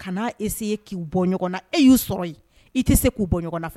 Kana' e ye k'i bɔ ɲɔgɔn na e y'u sɔrɔ i tɛ se k'u bɔ ɲɔgɔn nɔfɛ